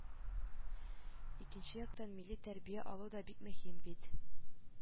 Икенче яктан, милли тәрбия алу да бик мөһим бит